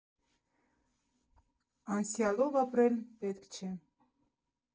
Անցյալով ապրել պետք չէ։